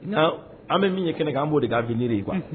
An bɛ min ye kɛnɛ kan b'o de ka avenir ye quoi